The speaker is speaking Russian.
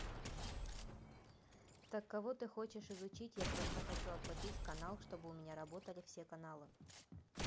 так кого ты хочешь изучить я просто хочу оплатить канал чтобы у меня работали все каналы